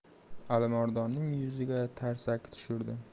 alimardonning yuziga tarsaki tushird